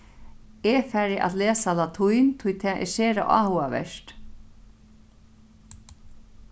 eg fari at lesa latín tí tað er sera áhugavert